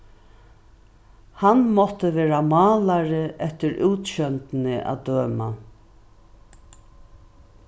hann mátti vera málari eftir útsjóndini at døma